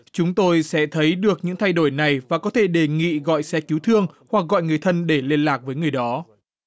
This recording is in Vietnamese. chúng tôi sẽ thấy được những thay đổi này và có thể đề nghị gọi xe cứu thương hoặc gọi người thân để liên lạc với người đó